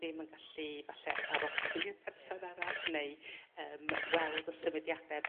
ddim yn gallu efalle arocli'r person arall neu yrm weld y symudiade